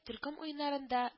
Төркем уеннарында